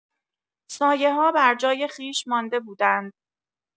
سایه‌‌ها برجای خویش مانده بودند.